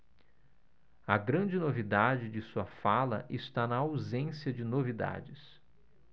a grande novidade de sua fala está na ausência de novidades